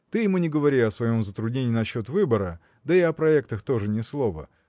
Ты ему не говори о своем затруднении насчет выбора да и о проектах тоже ни слова